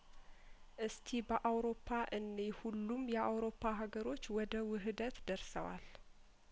እስቲ በአውሮፓ እንይሁሉም የአውሮፓ ሀገሮች ወደ ውህደት ደርሰዋል